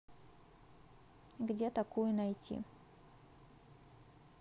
где такую найти